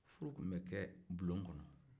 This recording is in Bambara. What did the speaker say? furu tun bɛ kɛ bulon kɔnɔ